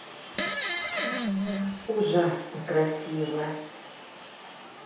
ужасно красиво